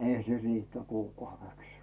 eihän se riitä kuukaudeksi